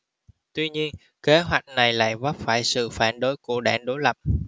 tuy nhiên kế hoạch này lại vấp phải sự phản đối của đảng đối lập